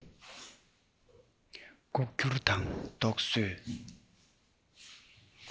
ལྐོག འགྱུར དང རྟོག བཟོས